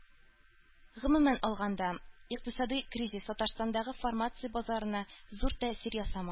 Гомумән алганда, икътисадый кризис Татарстандагы фармация базарына зур тәэсир ясамады